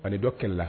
A dɔ kɛlɛ la